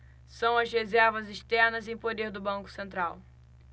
são as reservas externas em poder do banco central